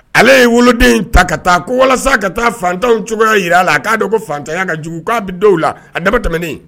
Ale ye wu woloden ta ka taa ko walasa ka taa fantanw cogoyaya jira a la k'a don ko fantanya ka jugu k'a bɛ dɔw la a dama tɛmɛnen